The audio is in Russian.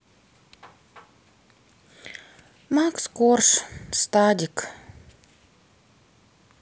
макс корж стадик